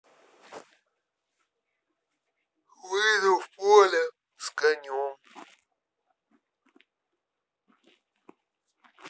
выйду в поле с конем